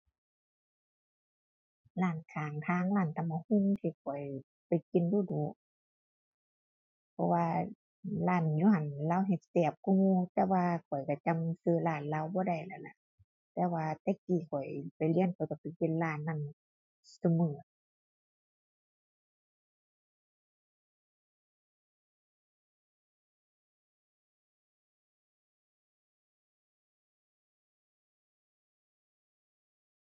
ร้านข้างทาง ร้านตำบักหุ่งที่ข้อยไปกินดู๋ดู๋ เพราะว่าร้านอยู่หั้นเลาเฮ็ดแซ่บกว่าหมู่ แต่ว่าข้อยก็จำก็ร้านเลาบ่ได้แล้วล่ะ แต่ว่าแต่กี้ข้อยไปเรียน ปกติกินร้านนั้นซุมื้อ